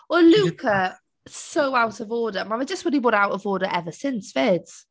Oedd Luca so out of order. Mae fe jyst wedi bod out of order ever since 'fyd.